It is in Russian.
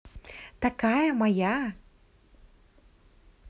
такая моя